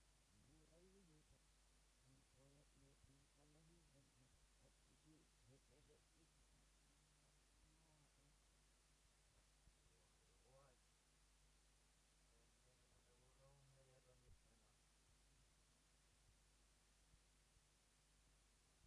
olen semmoisia arkisia käsitöitä niin kuin villatöistä niin ja kaikenlaista niitä on tehty